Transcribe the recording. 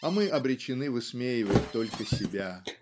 а мы обречены высмеивать только себя.